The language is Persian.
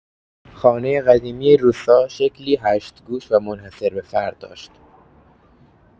خانۀ قدیمی روستا شکلی هشت‌گوش و منحصربه‌فرد داشت.